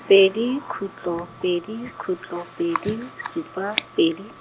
pedi khutlo pedi khutlo pedi supa pedi.